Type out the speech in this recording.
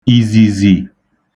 ìzìzì